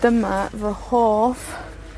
dyma fy hoff